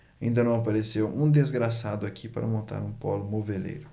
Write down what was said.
ainda não apareceu um desgraçado aqui para montar um pólo moveleiro